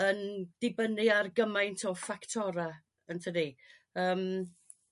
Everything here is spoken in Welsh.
yn dibynnu ar gymaint o ffactora' yntydi yrm